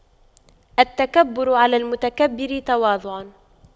التكبر على المتكبر تواضع